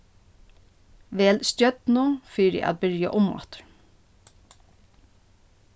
vel stjørnu fyri at byrja umaftur